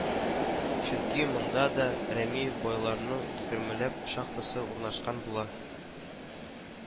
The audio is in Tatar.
Чөнки монда да Рәмиев байларның егермеләп шахтасы урнашкан була